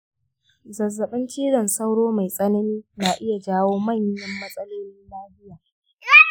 zazzaɓin cizon sauro mai tsanani na iya jawo manyan matsalolin lafiya.